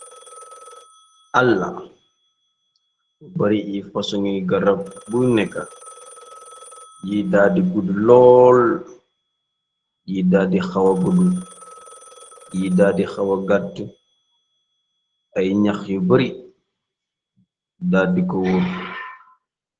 Alla bu bari ay fason ngi garab bu nekka, yi daadi guddu lool, yi daadi xawa guddu, yi daadi xawa gattu, ay ñax yu bari daddi ko woor.